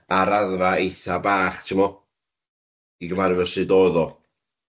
ar raddfa eitha bach t'm'o. I gymharu efo sud o'dd o.